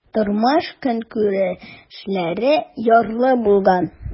Тормыш-көнкүрешләре ярлы булган.